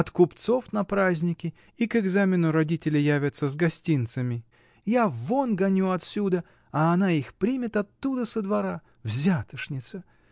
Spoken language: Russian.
— От купцов на праздники и к экзамену родители явятся с гостинцами — я вон гоню отсюда, а она их примет оттуда, со двора. Взяточница!